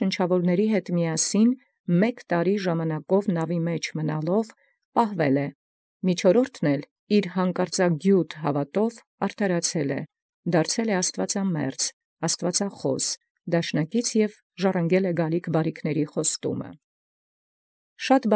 Շնչականաւք տարևոր ժամանակաւք նաւակաց պահեալ, և միւսոյն յանկարծագիւտ հաւատովք արդարացեալ, աստուածամերձ աստուածախաւս դաշնաւոր կատարեալ, և զաւետիս հանդերձելոց։